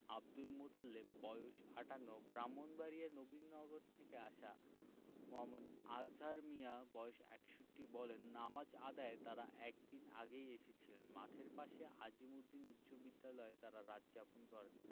আবদুল মোতালেব বয়স ৫৮ ব্রাহ্মণবাড়িয়ার নবীনগর থেকে আসা মো. আজহার মিয়া বয়স ৬১ বলেন নামাজ আদায়ে তাঁরা এক দিন আগেই এসেছিলেন মাঠের পাশে আজিমুদ্দিন উচ্চবিদ্যালয়ে তাঁরা রাত যাপন করেন